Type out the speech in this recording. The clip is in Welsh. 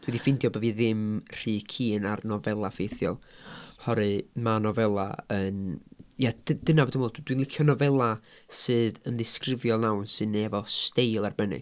Dwi 'di ffeindio bod fi ddim rhy keen ar nofelau ffeithiol oherwydd, ma' nofela yn, ia d- dyna be' dwi'n meddwl, d- dwi'n licio nofelau sydd yn ddisgrifio'n iawn sydd efo steil arbennig.